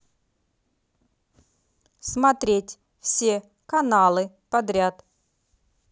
смотреть все каналы подряд